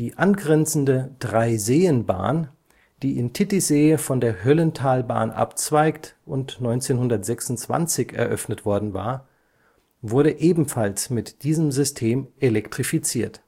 angrenzende Dreiseenbahn, die in Titisee von der Höllentalbahn abzweigt und 1926 eröffnet worden war, wurde ebenfalls mit diesem System elektrifiziert